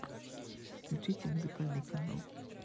включите музыкальный канал